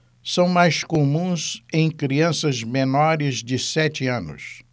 são mais comuns em crianças menores de sete anos